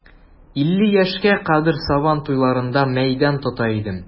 Илле яшькә кадәр сабан туйларында мәйдан тота идем.